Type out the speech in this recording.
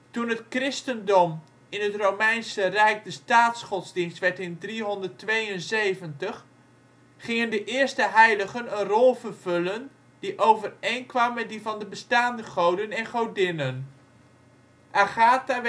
Toen het christendom in het Romeinse Rijk de staatsgodsdienst werd in 372, gingen de eerste heiligen een rol vervullen die overeenkwam met die van de bestaande goden en godinnen. Agatha